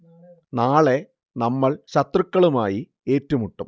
നാളെ നമ്മൾ ശത്രുക്കളുമായി ഏറ്റുമുട്ടും